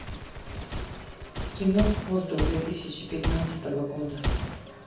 кино воздух две тысячи пятнадцатого года